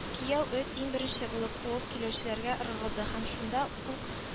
Кияү-эт иң беренче булып куып килүчеләргә ыргылды һәм шунда ук